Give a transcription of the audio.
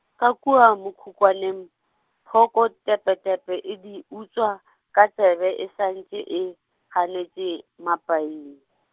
ka kua mokhukhwaneng, phokgo tepetepe e di utswa, ka tsebe e sa ntše e ganetše, mapaing.